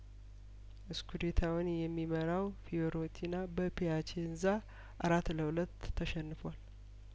እስኩዴታውን የሚመራው ፊዮሬንቲና በፒያቼንዛ አራት ለሁለት ተሸንፏል